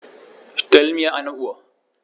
Stell mir eine Uhr.